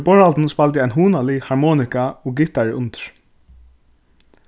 undir borðhaldunum spældi ein hugnalig harmonika og gittari undir